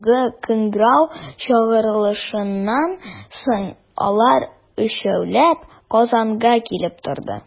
Соңгы кыңгырау чыгарылышыннан соң, алар, өчәүләп, Казанга килеп торды.